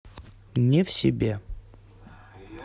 не в себе